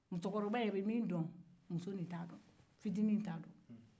musokɔrɔba be min dɔn fitinin t'a dɔn